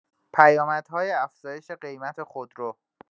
پیامدهای افزایش قیمت خودرو